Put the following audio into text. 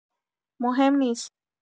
مهم نیست.